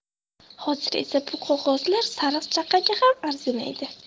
hozir esa bu qog'ozlar sariq chaqaga ham arzimaydi